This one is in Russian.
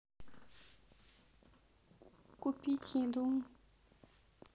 купить еду